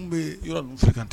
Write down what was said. N bɛ yɔrɔw fila kante